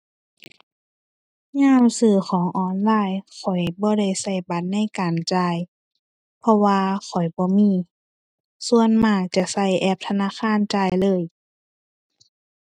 ยามซื้อของออนไลน์ ข้อยบ่ได้ใช้บัตรในการจ่าย เพราะว่าข้อยบ่มีส่วนมากจะใช้แอปธนาคารจ่ายเลย